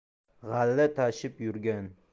g'alla tashib yurgan